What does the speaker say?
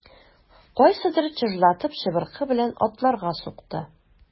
Кайсыдыр чыжлатып чыбыркы белән атларга сукты.